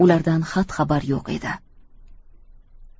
ulardan xat xabar yo'q edi